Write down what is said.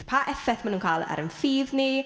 Pa effaith maen nhw'n cael ar ein ffydd ni?